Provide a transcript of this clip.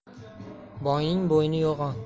boyning bo'yni yo'g'on